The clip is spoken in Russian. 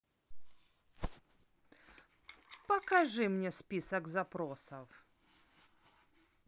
покажи мне список запросов